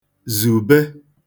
zùbe